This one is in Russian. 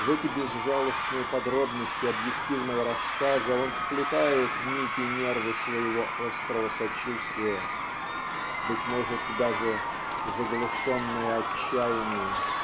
в эти безжалостные подробности объективного рассказа он вплетает нити-нервы своего острого сочувствия быть может даже заглушенное отчаяние.